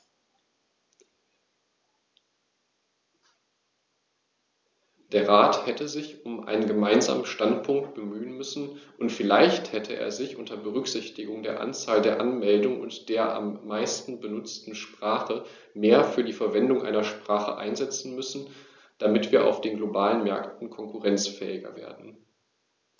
Der Rat hätte sich um einen gemeinsamen Standpunkt bemühen müssen, und vielleicht hätte er sich, unter Berücksichtigung der Anzahl der Anmeldungen und der am meisten benutzten Sprache, mehr für die Verwendung einer Sprache einsetzen müssen, damit wir auf den globalen Märkten konkurrenzfähiger werden.